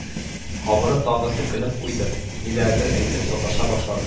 Авыру тагы селкенеп уйды, ниләрдер әйтеп саташа башлады